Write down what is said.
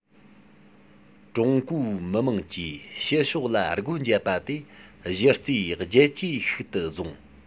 ཀྲུང གོའི མི དམངས ཀྱིས ཕྱི ཕྱོགས ལ སྒོ འབྱེད པ དེ གཞི རྩའི རྒྱལ ཇུས ཤིག ཏུ བཟུང